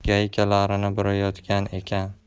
gaykalarini burayotgan ekan